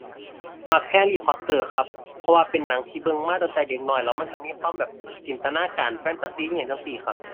มัก Harry Potter ครับ เพราะว่าเป็นหนังที่เบิ่งมาตั้งแต่เด็กน้อย แล้วมันก็มีความแบบจินตนาการ แฟนตาซี อิหยังจั่งซี้ครับ